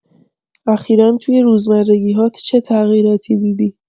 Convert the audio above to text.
اخیرا توی روزمرگی‌هات چه تغییراتی دیدی؟